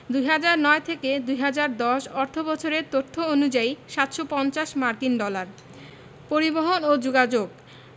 ২০০৯ ১০ অর্থবছরের তথ্য অনুসারে ৭৫০ মার্কিন ডলার পরিবহণ ও যোগাযোগ